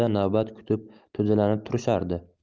oldida navbat kutib to'dalanib turishardi